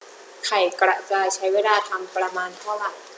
ไข่กระจายใช้เวลาทำประมาณเท่าไหร่